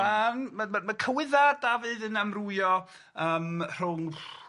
Ymm, ma- ma- ma- ma' cywydda' Dafydd yn amrwyo yym rhwng